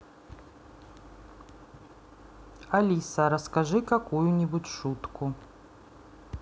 алиса расскажи какую нибудь шутку